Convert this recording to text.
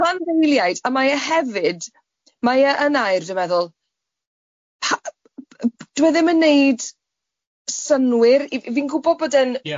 Pan-deiliaid a mae e hefyd, mae e yn air dwi'n meddwl, pa- dyw e ddim yn wneud synnwyr i fi'n gwbod bod e'n